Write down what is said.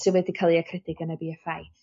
sydd wedi ca'l 'u acredu gan y Bee Eff I.